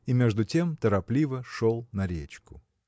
– и между тем торопливо шел на речку.